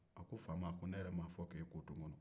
faama ne yɛrɛ m'a fɔ k'e ko to n kɔnɔ